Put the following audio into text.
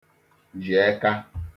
jì eka